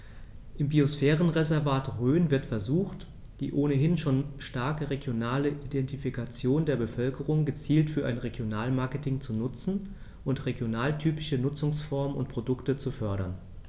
Im Biosphärenreservat Rhön wird versucht, die ohnehin schon starke regionale Identifikation der Bevölkerung gezielt für ein Regionalmarketing zu nutzen und regionaltypische Nutzungsformen und Produkte zu fördern.